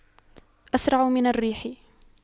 أسرع من الريح